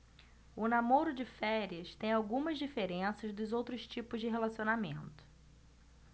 o namoro de férias tem algumas diferenças dos outros tipos de relacionamento